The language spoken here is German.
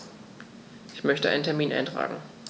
Ich möchte einen Termin eintragen.